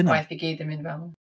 Gwaith i gyd yn mynd fewn.